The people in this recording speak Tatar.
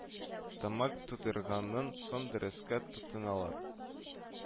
Тамак туйдырганнан соң дәрескә тотыналар